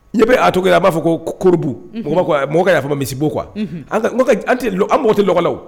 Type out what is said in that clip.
Ne bɛ' a to a b'a fɔ ko kobu mɔgɔkɛ y'a misibo kuwa an bɔ tɛ l